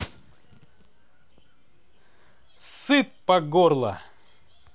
сыт по горло